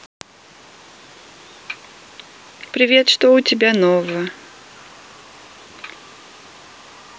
привет что у тебя нового